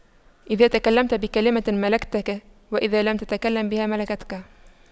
إذا تكلمت بالكلمة ملكتك وإذا لم تتكلم بها ملكتها